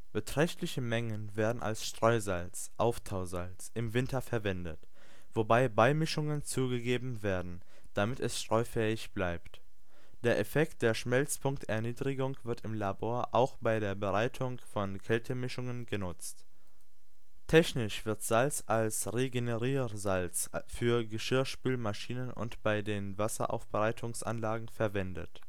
Beträchtliche Mengen werden als Streusalz (Auftausalz) im Winter verwendet, wobei Beimischungen zugegeben werden, damit es streufähig bleibt. Der Effekt der Schmelzpunkterniedrigung wird im Labor auch bei der Bereitung von Kältemischungen genutzt. Technisch wird Salz als Regeneriersalz für Geschirrspülmaschinen und bei den Wasseraufbereitungsanlagen verwendet